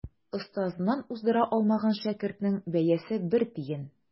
Остазыннан уздыра алмаган шәкертнең бәясе бер тиен.